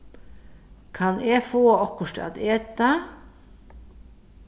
kann eg fáa okkurt at eta